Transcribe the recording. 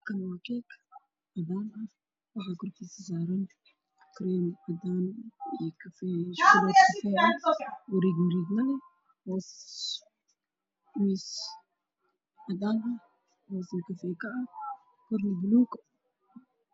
Waa keeg midabkiisu yahay caddaan iyo madow isku jiro oo saaran meel cadaan ah